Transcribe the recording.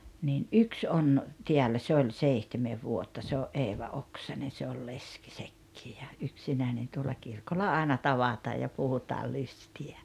niin yksi on täällä se oli seitsemän vuotta se oli Eeva Oksanen se oli leski sekin ja yksinäinen tuolla kirkolla aina tavataan ja puhutaan lystiä